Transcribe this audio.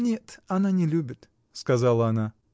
— Нет, она не любит, — сказала она.